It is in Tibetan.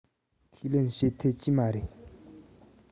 ཁས ལེན བྱེད ཐུབ ཀྱི མ རེད